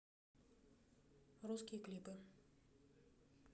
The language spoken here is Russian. клипы русские